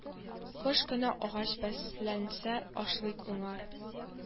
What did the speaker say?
Кыш көне агач бәсләнсә ашлык уңар